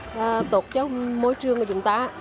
tốt cho môi trường của chúng ta